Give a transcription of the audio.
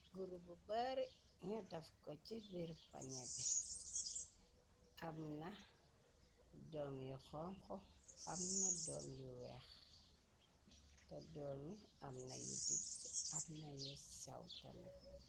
Guru bu baari ñu daf ko ci biir pañe bi, am na doom yu xonxu, am na doom yu weex, te doomi am na yu dijji, am na yu sew ta mit.